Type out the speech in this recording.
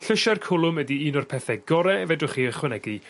llysiau'r cwlwm ydi un o'r pethe gore fedrwch chi ychwanegu